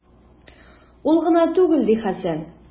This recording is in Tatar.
Ул гына түгел, - ди Хәсән.